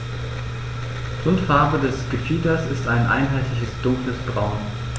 Grundfarbe des Gefieders ist ein einheitliches dunkles Braun.